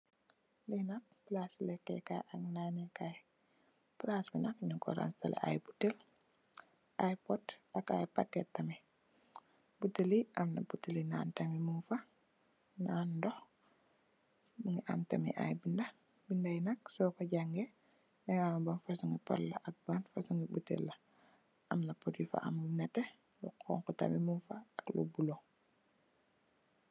Li nak palasi leke kai ak naan nee kai palasi bi nak nyun ko ransale ay botale ay pot ak ay paket tamit botale am botale naan tam mung fa naan ndox mungi am tamit ay binda bindai nak soko jangeh daga xam ban fosongi pot la ak ban fosongi botale la amna pot yu fa am yu nete bu xonxu tamit mung fa ak lu bulu.